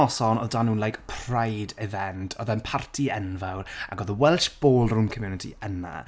Yn y noson oedd 'da nhw like, pride event, oedd e'n parti enfawr ac oedd y Welsh Ballroom community yna